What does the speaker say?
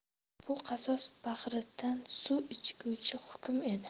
bu qasos bahridan suv ichguchi hukm edi